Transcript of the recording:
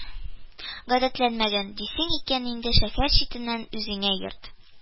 Гадәтләнгәнмен, дисең икән инде, шәһәр читеннән үзеңә йорт